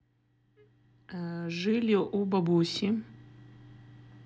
э жили у бабуси